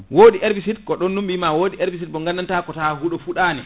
wodi herbicide ko ɗon ɗum bima wodi herbicide mo gandanta ko ta huuɗo fuɗani